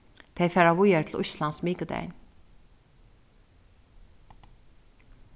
tey fara víðari til íslands mikudagin